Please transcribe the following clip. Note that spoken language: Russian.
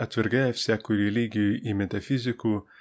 отвергая всякую религию и метафизику